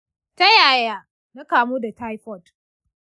ta yaya na kamu da taifoid?